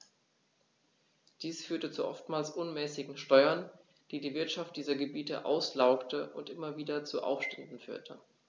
Dies führte zu oftmals unmäßigen Steuern, die die Wirtschaft dieser Gebiete auslaugte und immer wieder zu Aufständen führte.